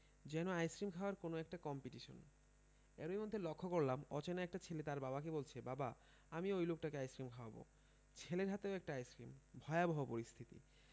যেন আইসক্রিম খাওয়ার কোন একটা কম্পিটিশন এর মধ্যেই লক্ষ্য করলাম অচেনা একটা ছেলে তার বাবাকে বলছে বাবা আমিও ঐ লোকটাকে আইসক্রিম খাওযাব ছেলের হাতও একটা আইসক্রিম ভয়াবহ পরিস্থিতি